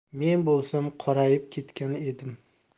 men bo'lsam qorayib ketgan edim